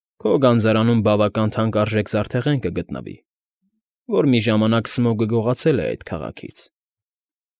Քո գանձարանում բավական թանկարժեք զարդեղեն կգտնվի, որ մի ժամանակ Սմոգը գողացել է այդ քաղաքից։